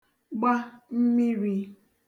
gba mmirī